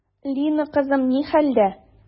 Лина кызым ни хәлдә?